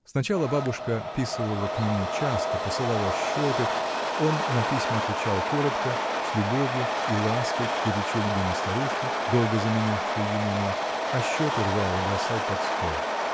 Сначала бабушка писывала к нему часто, присылала счеты: он на письма отвечал коротко, с любовью и лаской к горячо любимой старушке, долго заменявшей ему мать, а счеты рвал и бросал под стол.